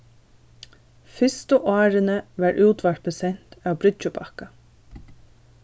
fyrstu árini varð útvarpið sent av bryggjubakka